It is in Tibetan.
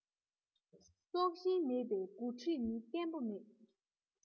སྲོག ཤིང མེད པའི འགོ ཁྲིད ནི བརྟན པོ མེད